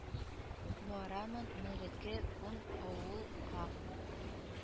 Барамын мереке күн ауыл а